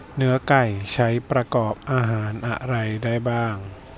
เนื้อไก่ใช้ประกอบอาหารอะไรได้บ้าง